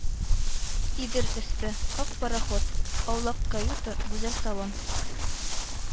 Идел өсте, ак пароход, аулак каюта, гүзәл салон